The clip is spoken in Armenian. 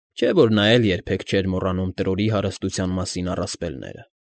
Չէ՞ որ նա էլ երբեք չէր մոռանում Տրորի հարստության մասին առասպելները։